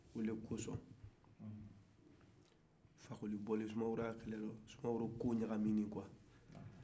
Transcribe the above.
o de kɔsɔ fakoli bɔlen sumaworo ka kɛlɛ la sumaworo ka kow bɛ ɲagami na